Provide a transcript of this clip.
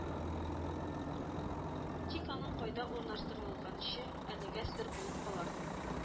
Тик аның кайда урнаштырылганчы әлегә сер булып кала